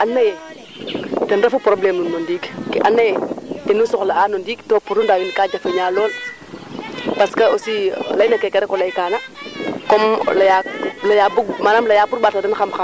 probleme ke fop ten refu yee anda yee faak fo xaye kaa fogre kaa i ngayoogu ndosa i ngalaate rooga deɓ langa nguɓ anga rek to o wodaa e